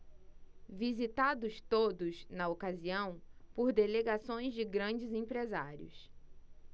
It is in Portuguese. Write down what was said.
visitados todos na ocasião por delegações de grandes empresários